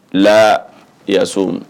La i yaso